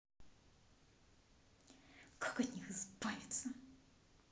как от них избавиться